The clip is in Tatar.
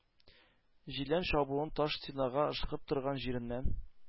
Җилән чабуын таш стенага ышкып торган җиреннән